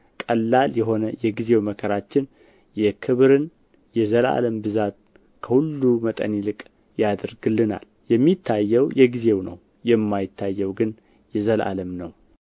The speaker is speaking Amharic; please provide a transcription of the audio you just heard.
ቀላል የሆነ የጊዜው መከራችን የክብርን የዘላለም ብዛት ከሁሉ መጠን ይልቅ ያደርግልናልና የሚታየው የጊዜው ነውና የማይታየው ግን የዘላለም ነው